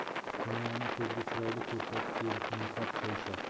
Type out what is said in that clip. dunyoni ko'zga chiroyli ko'rsatib beruvchi niqob choyshab